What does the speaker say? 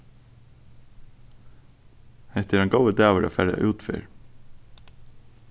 hetta er ein góður dagur at fara útferð